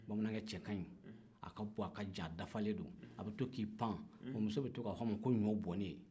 bamanankɛ cɛkaɲi a ka bon a ka jan a dafalen don a bɛ to k'i musow bɛ to ka f'a ma ko ɲɔbonnen